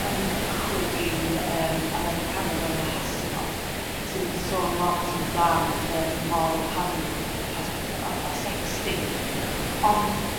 yrm ymchwil gin yrm Americanwr o'r enw Hasinoff sydd yn sôn lot am dan yr moral panic o gwmpas petha' fath a sexting ond